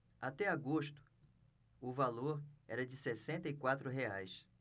até agosto o valor era de sessenta e quatro reais